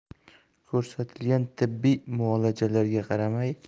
ko'rsatilgan tibbiy muolajalarga qaramay